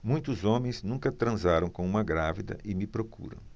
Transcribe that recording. muitos homens nunca transaram com uma grávida e me procuram